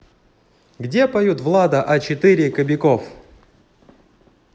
где поют влада а четыре кобяков